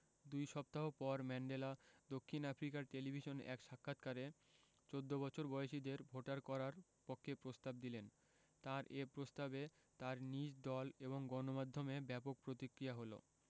দুই সপ্তাহ পর ম্যান্ডেলা দক্ষিণ আফ্রিকার টেলিভিশনে এক সাক্ষাৎকারে ১৪ বছর বয়সীদের ভোটার করার পক্ষে প্রস্তাব দিলেন তাঁর এ প্রস্তাবে তাঁর নিজ দল এবং গণমাধ্যমে ব্যাপক প্রতিক্রিয়া হলো